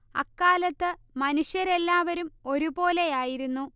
അക്കാലത്ത് മനുഷ്യരെല്ലാവരും ഒരുപോലെയായിരുന്നു